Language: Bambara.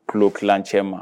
Ki tulo ticɛ ma